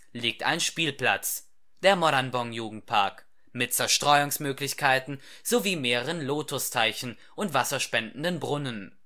liegt ein Spielplatz, der Moranbong-Jugendpark, mit Zerstreuungsmöglichkeiten sowie mehreren Lotusteichen und wasserspendenden Brunnen